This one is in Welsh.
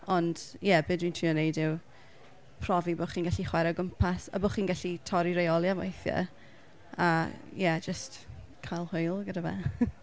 Ond ie be dwi'n trio wneud yw profi bo' chi'n gallu chwarae o gwmpas a bod chi'n gallu torri reoliau weithiau. A ie jyst cael hwyl gyda fe .